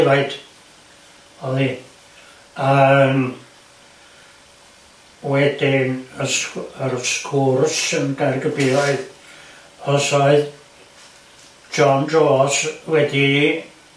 defaid oddi yym wedyn y sgw- yr sgwrs yn Gaergybi oedd oes oedd John Jôs wedi